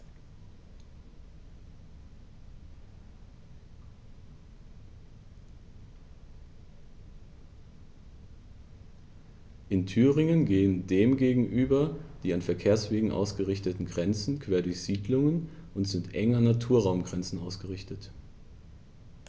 In Thüringen gehen dem gegenüber die an Verkehrswegen ausgerichteten Grenzen quer durch Siedlungen und sind eng an Naturraumgrenzen ausgerichtet.